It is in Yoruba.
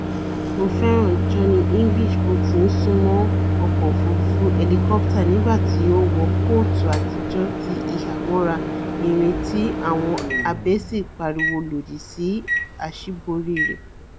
Mo fẹ́ràn Johnny English bóti ńsúnmọ́ ọkọ òfurufú hẹlikoputa nígbà tí ó wọ kóòtù àtijọ́ ti ìhámọ́ra irin tí àwọn abẹ sí pariwo lòdì sí àsíborí rẹ̀.